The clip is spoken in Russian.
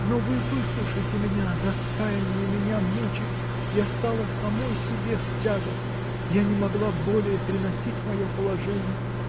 но вы выслушайте меня, раскаяние меня мучит, я стала самой себе в тягость, я не могла более переносить мое положение